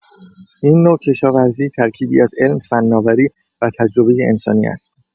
این نوع کشاورزی ترکیبی از علم، فناوری و تجربه انسانی است.